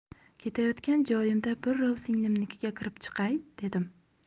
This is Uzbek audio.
ketayotgan joyimda birrov singlimnikiga kirib chiqay dedim